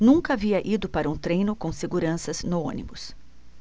nunca havia ido para um treino com seguranças no ônibus